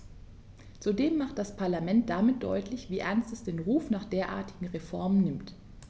Zudem macht das Parlament damit deutlich, wie ernst es den Ruf nach derartigen Reformen nimmt.